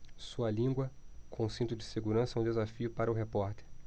sua língua com cinto de segurança é um desafio para o repórter